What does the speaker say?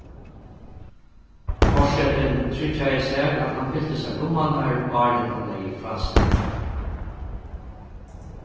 forsetin tryggjaði sær at hann fylti sær lummarnar áðrenn hann legði frá sær